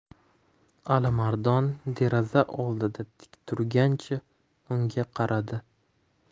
alimardon deraza oldida tik turgancha unga qaradi